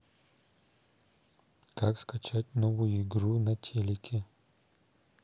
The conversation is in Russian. как скачать новую игру на телеке